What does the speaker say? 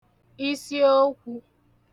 isiokwū